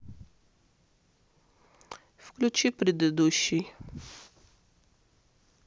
включи предыдущий